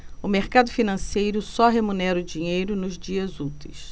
o mercado financeiro só remunera o dinheiro nos dias úteis